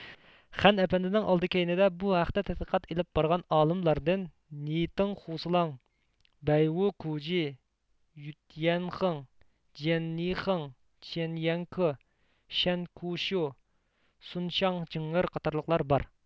خەن ئەپەندىنىڭ ئالدى كەينىدە بۇ ھەقتە تەتقىقات ئېلىپ بارغان ئالىملاردىن نېيتىڭ خۇسىلاڭ بەيۋۇكۇجى يۈتيەنخېڭ جيەننېيخېڭ چېنيەنكې شەنكۇشيۇ سۇنشاڭ جېڭئېر قاتارلىقلار بار